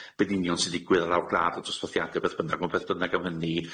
be'n union sy'n digwydd ar lawr gwlad y dosbarthiadau beth bynnag. Ond beth bynnag am hynny,